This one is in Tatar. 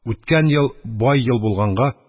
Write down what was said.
Үткән ел бай ел булганга,